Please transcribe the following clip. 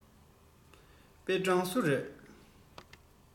པེན ཀྲང སུ རེད